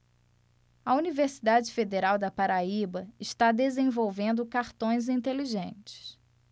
a universidade federal da paraíba está desenvolvendo cartões inteligentes